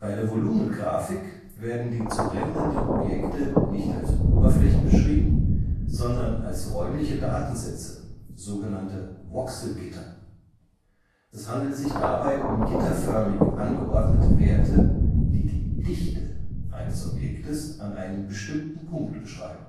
der Volumengrafik werden die zu rendernden Objekte nicht als Oberflächen beschrieben, sondern als räumliche Datensätze, so genannte Voxelgitter. Es handelt sich dabei um gitterförmig angeordnete Werte, die die „ Dichte “eines Objektes an einem bestimmten Punkt beschreiben